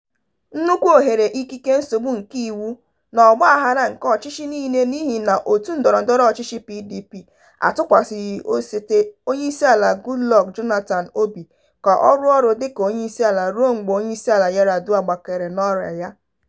Nnukwu oghere ikike, nsogbu nke iwu, na ọgbaghara nke ọchịchị niile n'ihi na òtù ndọrọndọrọ ọchịchị (PDP) atụkwasịghị osote onyeisiala (Goodluck Jonathan) obi ka ọ rụọ ọrụ dịka onyeisiala ruo mgbe Onyeisiala Yar'Adua gbakere n'ọrịa ya.